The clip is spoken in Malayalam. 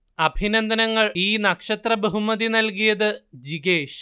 അഭിനന്ദനങ്ങൾ ഈ നക്ഷത്ര ബഹുമതി നൽകിയത് ജിഗേഷ്